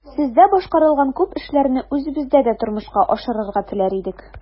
Сездә башкарылган күп эшләрне үзебездә дә тормышка ашырырга теләр идек.